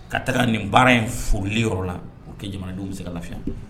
Ka taga nin baara in folilen yɔrɔ la o kɛ jamanadenw bɛ se ka lafiya